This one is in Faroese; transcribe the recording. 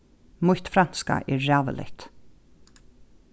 mítt franska er ræðuligt